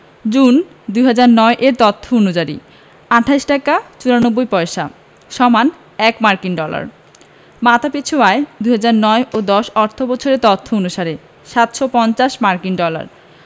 June ২০০৯ এর তথ্য অনুযারি ৬৮ টাকা ৯৪ পয়সা = ১ মার্কিন ডলার মাথাপিছু আয়ঃ ২০০৯ ১০ অর্থবছরের তথ্য অনুসারে ৭৫০ মার্কিন ডলার